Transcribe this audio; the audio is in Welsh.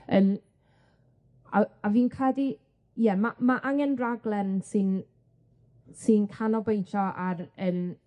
Yym a a fi'n credu ie ma' ma' angen raglen sy'n sy'n canolbwyntio ar yym